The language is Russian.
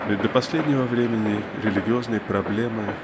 Ведь до последнего времени религиозной проблемы